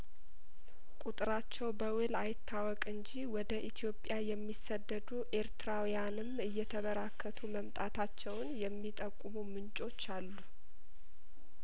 ቁጥራቸው በውል አይታወቅ እንጂ ወደ ኢትዮጵያ የሚሰደዱ ኤርትራዊያንም እየተበራከቱ መምጣታቸውን የሚጠቁሙ ምንጮች አሉ